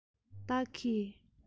བདག གིས